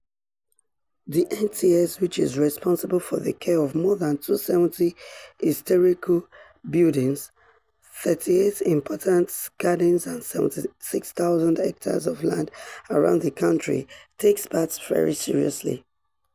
The NTS, which is responsible for the care of more than 270 historical buildings, 38 important gardens and 76,000 hectares of land around the country, takes bats very seriously.